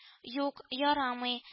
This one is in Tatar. — юк, ярамый